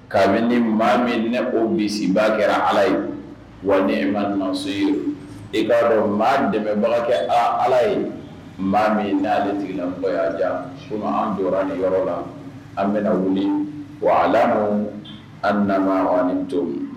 Kabini ni maa min ne o bisimilaba kɛra ala ye wa maso e b'a dɔn maa dɛmɛ bala kɛ aa ala ye maa min n'ale de tigila bɔja so an tora ni yɔrɔ la an bɛna wuli wa ala an na ni to